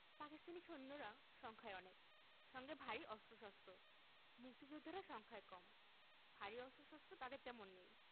পাকিস্তানি সৈন্যরা সংখ্যায় অনেক সঙ্গে ভারী অস্ত্রশস্ত্র মুক্তিযোদ্ধারা সংখ্যায় কম ভারী অস্ত্রশস্ত্র তাঁদের তেমন নেই